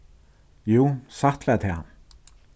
jú satt var tað